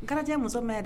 Kalajɛ muso mɛn dɛ